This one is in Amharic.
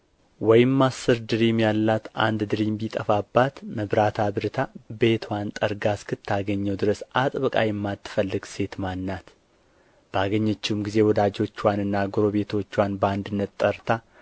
ወይም አሥር ድሪም ያላት አንድ ድሪም ቢጠፋባት መብራት አብርታ ቤትዋንም ጠርጋ እስክታገኘው ድረስ አጥብቃ የማትፈልግ ሴት ማን ናት ባገኘችውም ጊዜ ወዳጆችዋንና ጐረቤቶችዋን በአንድነት ጠርታ